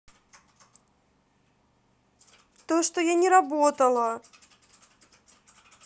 то что я не работала